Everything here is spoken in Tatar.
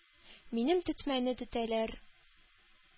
Минем тетмәне тетәләр.